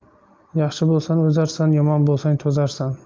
yaxshi bo'lsang o'zarsan yomon bo'lsang to'zarsan